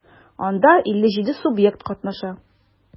Анда 57 субъект катнаша.